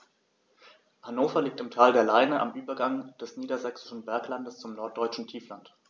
Hannover liegt im Tal der Leine am Übergang des Niedersächsischen Berglands zum Norddeutschen Tiefland.